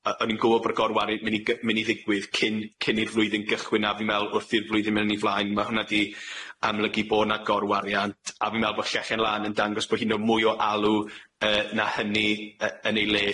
Yy o'n i'n gwbod bo'r gorwariant myn' i gy- myn' ddigwydd cyn cyn i'r flwyddyn gychwyn a fi'n me'wl wrth i'r flwyddyn myn' yn 'i flaen ma' hwnna 'i amlygu bo' 'na gorwariant a fi'n me'wl bo' Llechen Lân yn dangos bo' hi'n yym mwy o alw yy na hynny yy yn ei les.